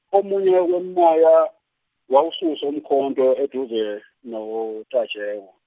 omunye wemimoya wawususa umkhonto eduze noTajewo.